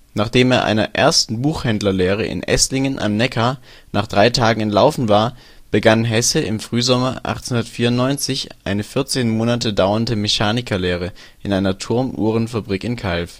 Nachdem er einer ersten Buchhändlerlehre in Esslingen am Neckar nach drei Tagen entlaufen war, begann Hesse im Frühsommer 1894 eine 14 Monate dauernde Mechanikerlehre in einer Turmuhrenfabrik in Calw